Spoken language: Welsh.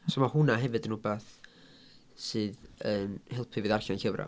So ma' hwnna hefyd yn wbath sydd yn helpu fi ddarllen llyfrau.